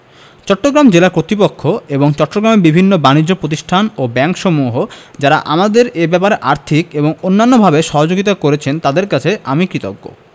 চট্টগ্রাম জেলা কর্তৃপক্ষ এবং চট্টগ্রামের বিভিন্ন বানিজ্য প্রতিষ্ঠান ও ব্যাংকসমূহ যারা আমাদের এ ব্যাপারে আর্থিক এবং অন্যান্যভাবে সহযোগিতা করেছেন তাঁদের কাছে আমি কৃতজ্ঞ